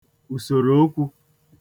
ùsòròokwū